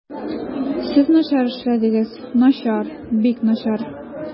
Сез начар эшләдегез, начар, бик начар.